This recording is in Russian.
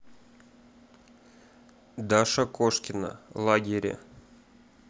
даша кошкина лагере